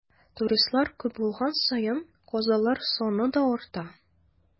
Туристлар күп булган саен, казалар саны да арта.